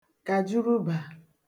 kàjurubà